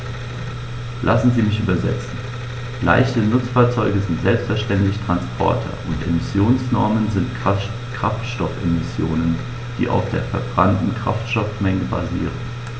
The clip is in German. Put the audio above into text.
Lassen Sie mich übersetzen: Leichte Nutzfahrzeuge sind selbstverständlich Transporter, und Emissionsnormen sind Kraftstoffemissionen, die auf der verbrannten Kraftstoffmenge basieren.